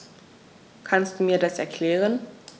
Kannst du mir das erklären?